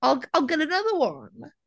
I'll I'll get another one.